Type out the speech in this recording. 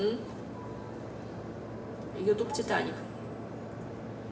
ютуб титаник